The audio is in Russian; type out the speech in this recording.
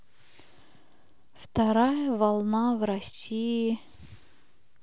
вторая волна в россии